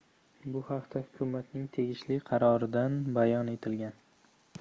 bu haqda hukumatning tegishli qarorida bayon etilgan